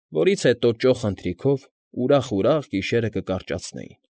Որից հետո ճոխ ընթրիքով ուրախ֊ուրախ գիշերը կկարճացնեին։